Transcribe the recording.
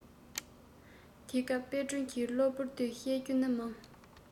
དེ སྐབས དཔལ སྒྲོན གྱི གློ བུར དུ བཤད རྒྱུ ནི མང